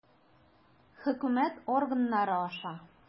Хөкүмәт органнары аша.